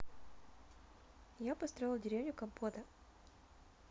я построил деревню компота